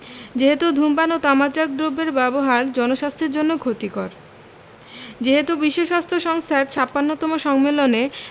যেহেতু ধূমপান ও তামাকজাত দ্রব্যের ব্যবহার জনস্বাস্থ্যের জন্য ক্ষতিকর যেহেতু বিশ্বস্বাস্থ্য সংস্থার ৫৬তম সম্মেলনে